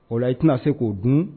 O la i tɛna se k'o dun